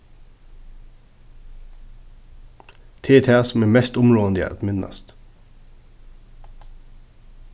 tað er tað sum er mest umráðandi at minnast